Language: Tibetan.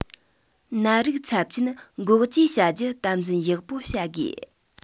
ནད རིགས ཚབས ཆེན འགོག བཅོས བྱ རྒྱུ དམ འཛིན ཡག པོ བྱ དགོས